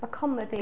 Ma' comedi...